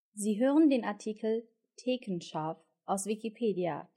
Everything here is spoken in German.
Sie hören den Artikel Thekenschaaf, aus Wikipedia